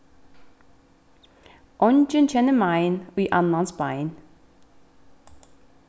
eingin kennir mein í annans bein